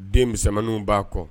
Den misɛmaniw b'a kɔ